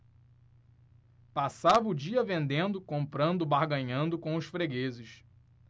passava o dia vendendo comprando barganhando com os fregueses